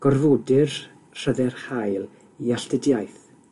Gorfodir Rhydderch Hael i alltudiaeth